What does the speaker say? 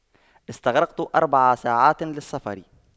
استغرقت أربع ساعات للسفر